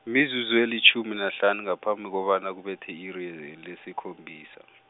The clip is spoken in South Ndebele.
mizuzu elitjhumi nahlanu ngaphambi kobana kubethe i-iri lesikhombisa.